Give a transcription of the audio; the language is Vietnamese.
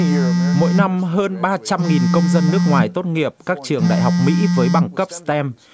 mỗi năm hơn ba trăm nghìn công dân nước ngoài tốt nghiệp các trường đại học mỹ với bằng cấp xờ tem